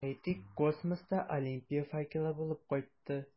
Әйтик, космоста Олимпия факелы булып кайтты.